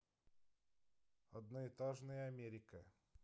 одноэтажная америка